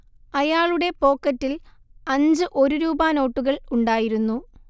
അയാളുടെ പോക്കറ്റിൽ അഞ്ചു ഒരുരൂപ നോട്ടുകൾ ഉണ്ടായിരുന്നു